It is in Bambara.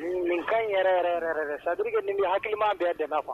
Nin ka n yɛrɛ yɛrɛ sadu ninmi hakili m' bɛɛ dɛmɛ fɔ